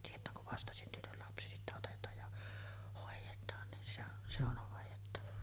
tietää kun vastasyntynyt lapsi sitten otetaan ja hoidetaan niin se on se on hoidettava